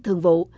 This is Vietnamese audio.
thường vụ